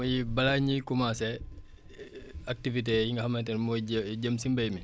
muy balaa ñuy commencer activités yi nga xamante ne mooy jë jëm si mbay mi